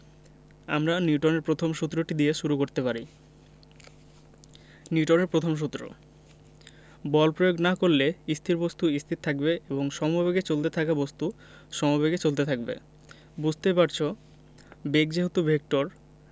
আমরা নিউটনের প্রথম সূত্রটি দিয়ে শুরু করতে পারি নিউটনের প্রথম সূত্র বল প্রয়োগ না করলে স্থির বস্তু স্থির থাকবে এবং সমেবেগে চলতে থাকা বস্তু সমেবেগে চলতে থাকবে বুঝতেই পারছ বেগ যেহেতু ভেক্টর